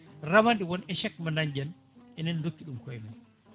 rawande won échec mo dañƴen enen dokki ɗum koyemen